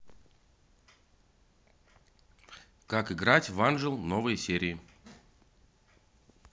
как играть в анджел новые серии